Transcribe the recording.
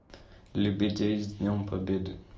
лебедей с днем победы